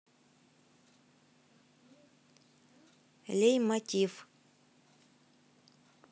лей мотив